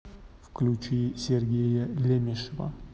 включи сергея лемешева